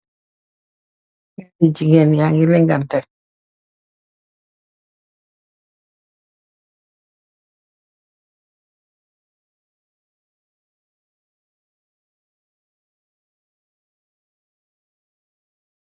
Jigeen yangi lang gante